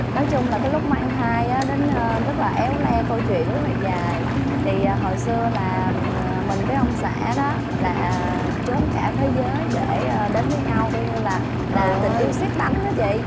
nói chung là cái lúc mang thai á đến rất là éo le câu chuyện rất là dài thì hồi xưa là nhà mình với ông xã đó là trốn cả thế giới để đến với nhau coi như là là tình yêu sét đánh á chị